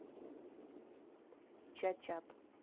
ча чат